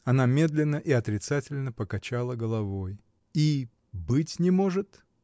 Она медленно и отрицательно покачала головой. — И. быть не может?